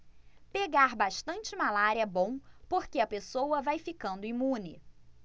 pegar bastante malária é bom porque a pessoa vai ficando imune